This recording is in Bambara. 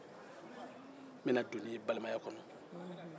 n bɛna don n'i ye balimaya kɔnɔ